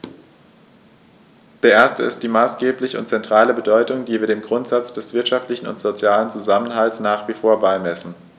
Der erste ist die maßgebliche und zentrale Bedeutung, die wir dem Grundsatz des wirtschaftlichen und sozialen Zusammenhalts nach wie vor beimessen.